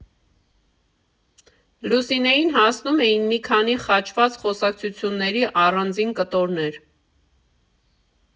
Լուսինեին հասնում էին մի քանի խաչված խոսակցությունների առանձին կտորներ։